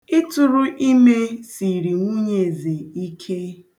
Ịtụrụ ime siiri nwunye Eze ike.